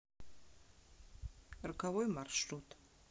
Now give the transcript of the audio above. роковой маршрут